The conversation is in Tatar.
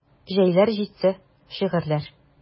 Җәйләр җитсә: шигырьләр.